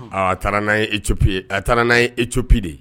A taara n'a ye etoppi a taara n'a ye etoop de ye